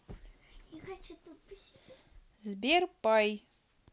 сберпай